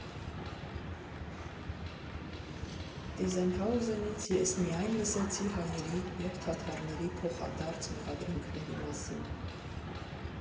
Տիզենհաուզենից ես միայն լսեցի հայերի և թաթարների փոխադարձ մեղադրանքների մասին…